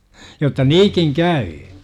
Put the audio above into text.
jotta niin käy